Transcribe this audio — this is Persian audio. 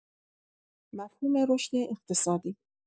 مفهوم رشد اقتصادی